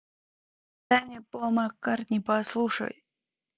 дай мне paul mccartney послушай